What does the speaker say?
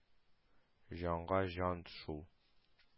— җанга — җан шул